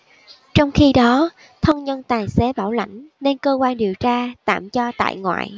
trong khi đó thân nhân tài xế bảo lãnh nên cơ quan điều tra tạm cho tại ngoại